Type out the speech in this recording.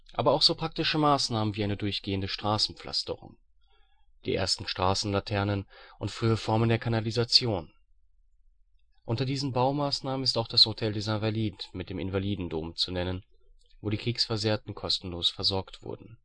Aber auch so praktische Maßnahmen wie eine durchgehende Straßenpflasterung, die ersten Straßenlaternen und frühe Formen der Kanalisation. Unter diesen Baumaßnahmen ist auch das Hôtel-des-Invalides mit dem Invalidendom zu nennen, wo die Kriegsversehrten kostenlos versorgt wurden